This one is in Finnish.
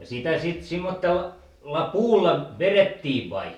ja sitä sitten - semmoisella puulla vedettiin vai